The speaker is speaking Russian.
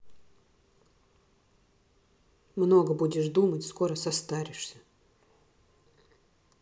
много будешь думать скоро состаришься